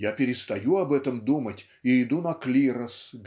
я перестаю об этом думать и иду на клирос